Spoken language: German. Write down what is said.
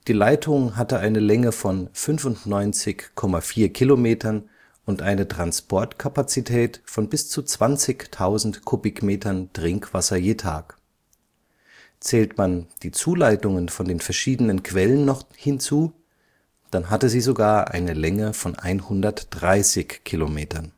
Leitung hatte eine Länge von 95,4 Kilometern und eine Transportkapazität von bis zu 20.000 Kubikmetern Trinkwasser je Tag. Zählt man die Zuleitungen von den verschiedenen Quellen noch hinzu, dann hatte sie sogar eine Länge von 130 km